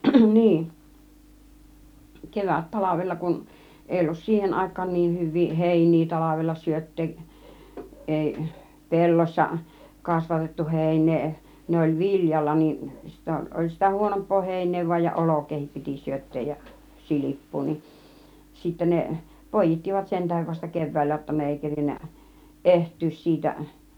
niin - kevättalvella kun ei ollut siihen aikaan niin hyviä heiniä talvella syöttää ei pellossa kasvatettu heinää ne oli viljalla niin sitten oli sitä huonompaa heinää vain ja olkeakin piti syöttää ja silppua niin sitten ne poi'ittivat sen tähden vasta keväällä jotta ne ei kerinnyt ehtyä siitä